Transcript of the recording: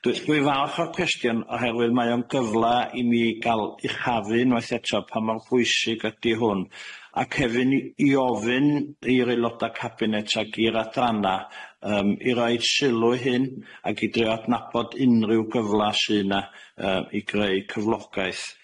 Dw- dwi falch o'r cwestiwn oherwydd mae o'n gyfla i mi ga'l uchafu unwaith eto pa mor bwysig ydi hwn ac hefyd i i ofyn i'r aeloda cabinet ag i'r adrana yym i roid sylw hyn ag i drio adnabod unrhyw gyfla sy' na yy i greu cyflogaeth.